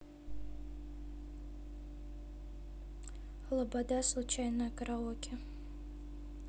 лобода случайная караоке